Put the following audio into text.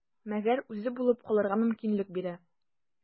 Мәгәр үзе булып калырга мөмкинлек бирә.